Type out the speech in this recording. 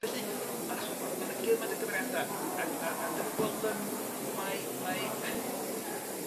Felly a ho- ma'r ma' 'na gymaint o gymeriada ag a a 'dan ni'n gweld yym mai mai